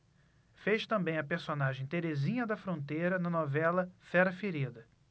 fez também a personagem terezinha da fronteira na novela fera ferida